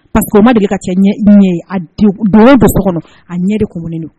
Ma de ka kɛ a ɲɛ de tun don